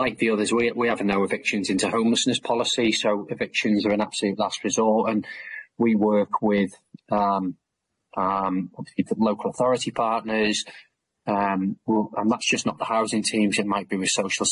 like the others we we have no evictions into homelessness policy so evictions are an absolute last resort and we work with um um local authority partners um we'll and that's just not the housing teams it might be with Social